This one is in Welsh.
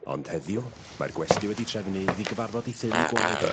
ond heddiw mae'r gwesty wedi trefnu iddi gyfarfod 'i theulu gwaed o...